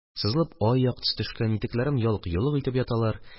Сызылып ай яктысы төшкән, итекләрем ялык-йолык итеп яталар.